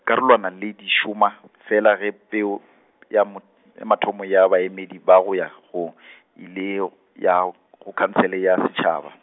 karolwana le di šoma, fela ge peo ya mo, ya mathomo ya baemedi ba go ya, go ile go , ya go, go khansele ya setšhaba.